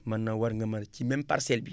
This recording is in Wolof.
mën na war nga mën ci même parcelle bi